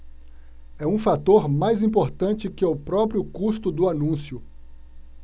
é um fator mais importante que o próprio custo do anúncio